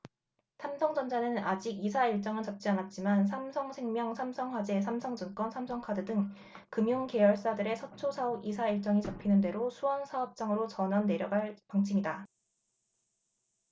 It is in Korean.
삼성전자는 아직 이사 일정은 잡지 않았지만 삼성생명 삼성화재 삼성증권 삼성카드 등 금융계열사들의 서초 사옥 이사 일정이 잡히는 대로 수원사업장으로 전원 내려갈 방침이다